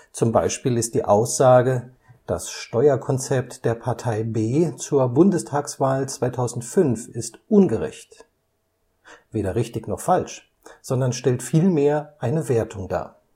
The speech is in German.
z. B. ist die Aussage „ Das Steuerkonzept der Partei B zur Bundestagswahl 2005 ist ungerecht “weder falsch noch richtig, sondern stellt vielmehr eine Wertung dar